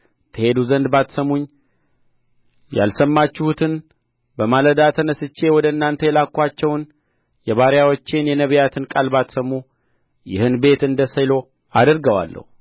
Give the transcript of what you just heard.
ትሄዱ ዘንድ ባትሰሙኝ ያልሰማችሁትን በማለዳ ተነሥቼ ወደ እናንተ የላክኋቸውን የባሪያዎቼን የነቢያትን ቃል ባትሰሙ ይህን ቤት እንደ ሴሎ አደርገዋለሁ